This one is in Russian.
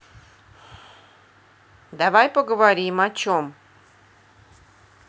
давай поговорим о чем